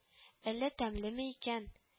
Ллә тәмлеме икән